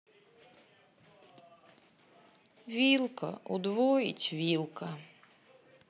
вилка удвоить вилка